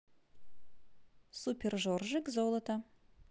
супержорик золото